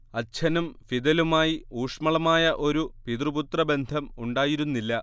അച്ഛനും ഫിദലുമായി ഊഷ്മളമായ ഒരു പിതൃ പുത്രബന്ധം ഉണ്ടായിരുന്നില്ല